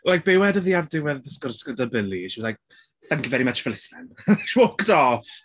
Like be wedodd hi ar diwedd y sgwrs gyda Billy she was like "thank you very much for listening". And she walked off!